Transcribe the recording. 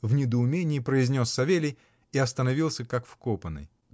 — в недоумении произнес Савелий и остановился как вкопанный.